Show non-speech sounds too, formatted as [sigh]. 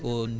[hesitation] [hesitation]